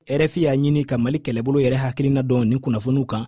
rfi y'a ɲini ka mali kɛlɛbolow yɛrɛ hakilina don nin kunnafoniw kan